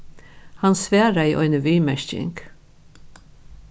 hann svaraði eini viðmerking